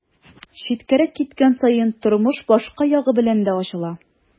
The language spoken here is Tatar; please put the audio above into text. Читкәрәк киткән саен тормыш башка ягы белән дә ачыла.